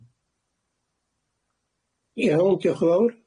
Iawn dioch yn fowr.